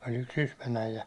oli yksi Sysmän äijä